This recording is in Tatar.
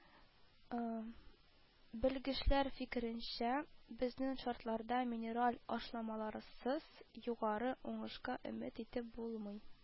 Белгечләр фикеренчә, безнең шартларда минераль ашламаларсыз югары уңышка өмет итеп булмый